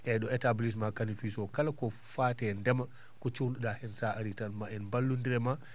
eeyi ɗo établissement Kane et fils o kala ko faati e ko cohluɗa heen sa arii tan maa en mballonndir e maa